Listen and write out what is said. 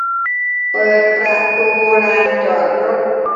เปิดประตูลานจอดรถ